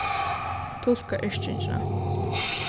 tulka yrkingina